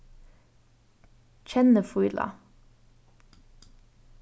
kennifíla